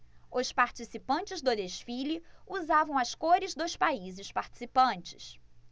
os participantes do desfile usavam as cores dos países participantes